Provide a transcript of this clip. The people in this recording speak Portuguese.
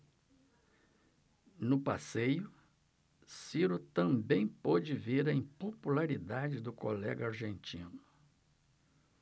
no passeio ciro também pôde ver a impopularidade do colega argentino